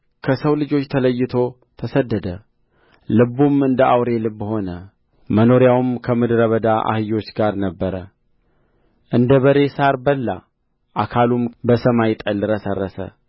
ከሰው ልጆች ተይለቶ ተሰደደ ልቡም እንደ አውሬ ልብ ሆነ መኖሪያውም ከምድረ በዳ አህዮች ጋር ነበረ እንደ በሬ ሣር በላ አካሉም በሰማይ ጠል ረሰረሰ